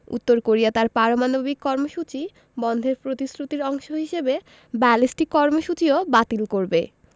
উত্তর কোরিয়া তার পারমাণবিক কর্মসূচি বন্ধের প্রতিশ্রুতির অংশ হিসেবে ব্যালিস্টিক কর্মসূচিও বাতিল করবে